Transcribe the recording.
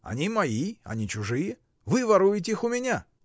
— Они мои, а не чужие: вы воруете их у меня!